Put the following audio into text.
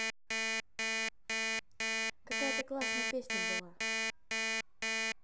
какая то классная песня была